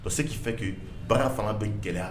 ce qui fait que baara fanga bɛ gɛlɛya.